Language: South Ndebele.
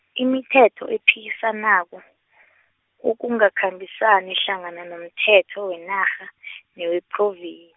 imithetho ephikisanako, ukungakhambisani hlangana nomthetho wenarha , newePhrovi-.